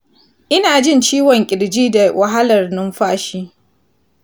ina jin ciwon kirji da wahalar numfashi